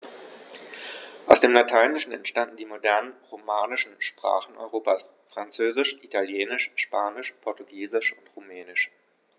Aus dem Lateinischen entstanden die modernen „romanischen“ Sprachen Europas: Französisch, Italienisch, Spanisch, Portugiesisch und Rumänisch.